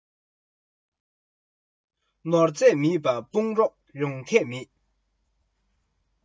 ནོར རྫས མེད པར དཔུང རོགས ཡོང ཐབས མེད